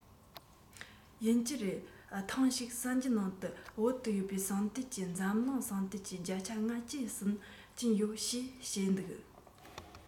ཡིན གྱི རེད ཐེངས ཤིག གསར འགྱུར ནང དུ བོད དུ ཡོད པའི ཟངས གཏེར གྱིས འཛམ གླིང ཟངས གཏེར གྱི བརྒྱ ཆ ལྔ བཅུ ཟིན གྱི ཡོད ཞེས བཤད འདུག